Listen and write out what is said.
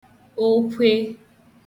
okwhe